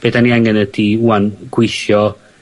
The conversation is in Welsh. Be' 'dan ni angen ydi ŵan gweithio